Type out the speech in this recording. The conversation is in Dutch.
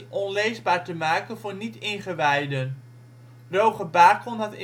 onleesbaar te maken voor niet-ingewijden. Roger Bacon had